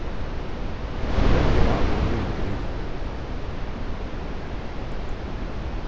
hann rendi á við mínum bili